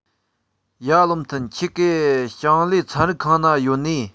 ཡ བློ མཐུན ཁྱེད གེ ཞིང ལས ཚན རིག ཁང ན ཡོད ནིས